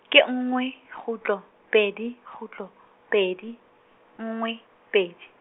ke nngwe kgutlo pedi kgutlo pedi, nngwe pedi.